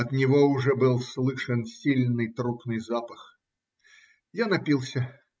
От него уже был слышен сильный трупный запах. Я напился.